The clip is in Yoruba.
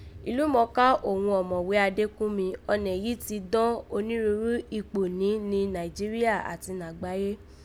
Ìlúmọ̀ọ́ká òghun Ọ̀mọ̀wé Adékúnmi, ọnẹ yìí ti dọ́n onírúurú ikpò ní ni Nàìjíríà àti nàgbáyé